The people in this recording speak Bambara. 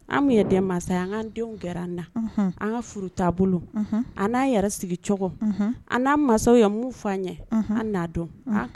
An ye den mansa ye an denw kɛra an na an ka furu t'a bolo an n'a yɛrɛ sigi cogo an n'an mansaw ye mun fɔ anan ɲɛ an'a dɔn